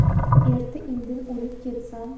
erta indin o'lib ketsam